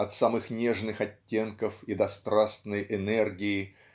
от самых нежных оттенков и до страстной энергии